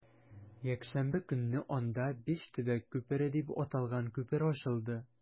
Якшәмбе көнне анда “Биш төбәк күпере” дип аталган күпер ачылды.